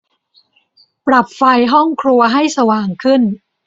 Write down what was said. ปรับไฟห้องครัวให้สว่างขึ้น